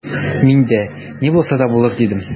Мин дә: «Ни булса да булыр»,— дидем.